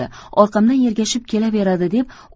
orqamdan ergashib kelaveradi